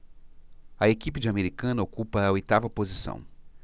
a equipe de americana ocupa a oitava posição